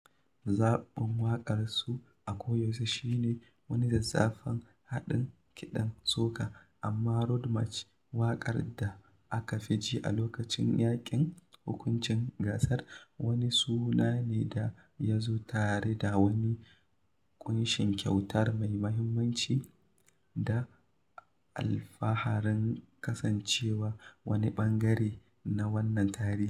Zaɓin waƙarsu a koyaushe shi ne wani zazzafan haɗin kiɗan soca, amma Road March - waƙar da aka fi ji a lokacin yanke hukuncin gasar - wani suna ne da ya zo tare da wani ƙunshin kyauta mai muhimmanci da alfaharin kasancewa wani ɓangare na wannan tarihi.